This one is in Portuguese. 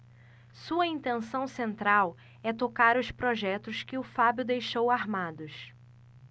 sua intenção central é tocar os projetos que o fábio deixou armados